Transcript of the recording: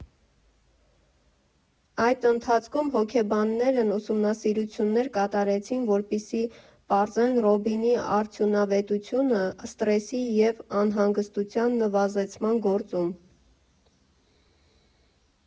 Այդ ընթացքում հոգեբաններն ուսումնասիրություններ կատարեցին, որպեսզի պարզեն Ռոբինի արդյունավետությունը սթրեսի և անհանգստության նվազեցման գործում։